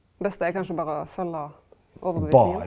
beste er kanskje berre å følga overtydinga.